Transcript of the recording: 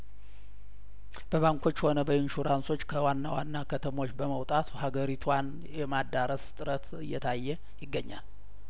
በባንኮችም ሆነ በኢንሹራንሶች ከዋና ዋና ከተሞች በመውጣት ሀገሪቷን የማዳረስ ጥረት እየታየ ይገኛል